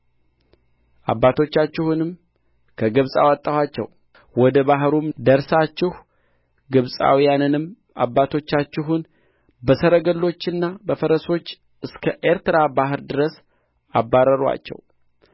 አባቶቻችሁንም ከግብፅ አወጣኋቸው ወደ ባሕሩም ደረሳችሁ ግብፃውያንም አባቶቻችሁን በሰረገሎችና በፈረሰኞች እስከ ኤርትራ ባሕር ድረስ አባረሩአቸው